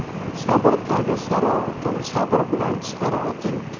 sabr tagi sari oltin sabr bilan chiqar oting